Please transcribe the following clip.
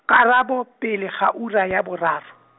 karabo, pele ga ura ya boraro.